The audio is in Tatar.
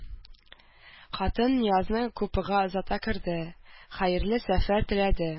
Хатын Ниязны купега озата керде, хәерле сәфәр теләде